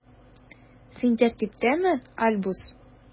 Син тәртиптәме, Альбус?